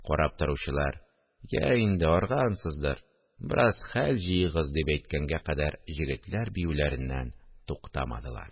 Карап торучылар: – Йә инде, арыгансыздыр, бераз хәл җыегыз, – дип әйткәнгә кадәр җегетләр биюләреннән туктамадылар